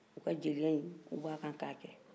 u ka jeliya in u b' a kan ka a kɛ